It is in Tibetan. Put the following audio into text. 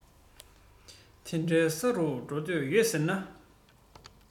དེ འདྲའི ས རུ འགྲོ འདོད ཡོད ཟེར ན